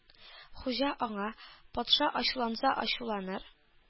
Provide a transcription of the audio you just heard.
Хуҗа аңа: Патша ачуланса ачуланыр,